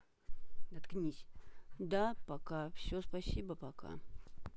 да пока все спасибо пока